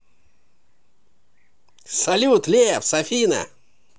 салют лепс афина